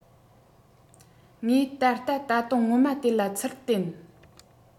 ངས ད ལྟ ད དུང སྔོན མ དེ ལ ཚུལ བསྟན